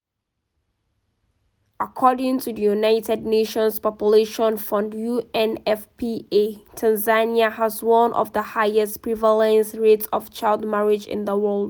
According to the United Nations Population Fund (UNFPA), Tanzania has one of the highest prevalence rates of child marriage in the world.